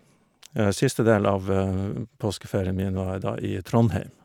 Siste del av påskeferien min var jeg da i Trondheim.